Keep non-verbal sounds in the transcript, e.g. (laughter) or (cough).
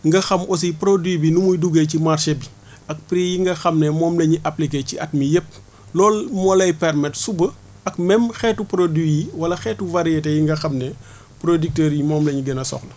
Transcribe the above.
nga xam aussi produit bi ni muy duggee ci marché bi (breath) ak prix yi nga xam ne moom la ñuy appliqué ci at mi yëpp loolu moo lay permettre suba ak même xeetu produit yi wala xeetu variétés yi nga xam ne (breath) producteur moom la ñu gën a soxla